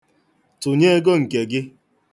Tụnye ego nke gị.